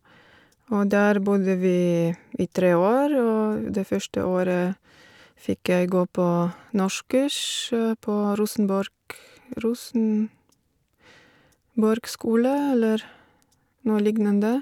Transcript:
Og der bodde vi i tre år, og det første året fikk jeg gå på norskkurs på Rosenborg Rosenborg skole, eller noe lignende.